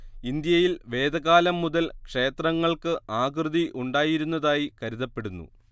ഇന്ത്യയിൽ വേദകാലം മുതൽ ക്ഷേത്രങ്ങൾക്ക് ആകൃതി ഉണ്ടായിരുന്നതായി കരുതപ്പെടുന്നു